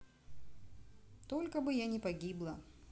только бы я не погибла